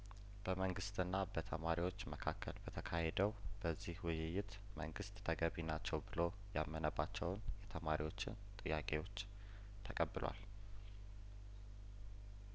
በመንግስትና በተማሪዎች መካከል በተካሄደው በዚህ ውይይት መንግስት ተገቢ ናቸው ብሎ ያመነ ባቸውን የተማሪዎችን ጥያቄዎች ተቀብሏል